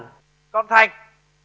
chọn thành